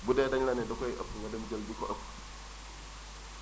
bu dee dañu la ne dakoy ëpp nga dem jël bi ko ëpp